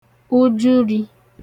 ujurī